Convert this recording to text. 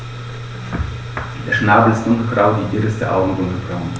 Der Schnabel ist dunkelgrau, die Iris der Augen dunkelbraun.